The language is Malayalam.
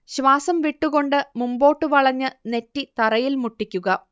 ശ്വാസം വിട്ടുകൊണ്ട് മുമ്പോട്ട് വളഞ്ഞ് നെറ്റി തറയിൽ മുട്ടിക്കുക